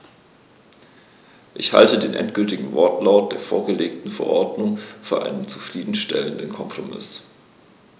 Ich halte den endgültigen Wortlaut der vorgelegten Verordnung für einen zufrieden stellenden Kompromiss.